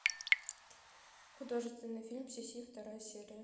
художественный фильм сиси вторая серия